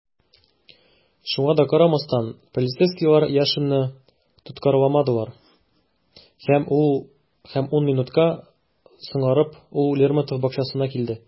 Шуңа да карамастан, полицейскийлар Яшинны тоткарламадылар - һәм ун минутка соңарып, ул Лермонтов бакчасына килде.